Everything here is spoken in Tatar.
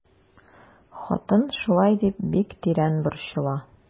Хатын шулай дип бик тирән борчыла.